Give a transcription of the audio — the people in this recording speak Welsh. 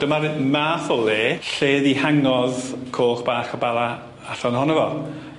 Dyma'r fe- math o le lle ddihangodd coch bach y Bala allan ohono fo.